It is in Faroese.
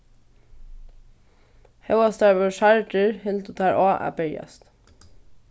hóast teir vóru særdir hildu teir á at berjast